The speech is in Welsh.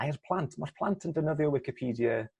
a i'r plant ma'r plant yn defnyddio wicipedie